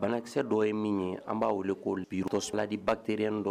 Banakisɛ dɔ ye min ye an b'a weele k'ourrosuladi batere dɔ